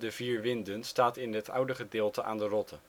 Vier Winden staat in het oude gedeelte aan de Rotte